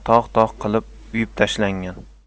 tog' tog' qilib uyib tashlangan